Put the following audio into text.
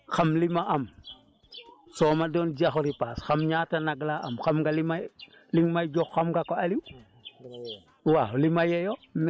mais boo xamee li ma béy xam li ma am soo ma doon jox ripaas xam ñaata nag laa am xam nga li may li nga may jox xam nga ko Aliou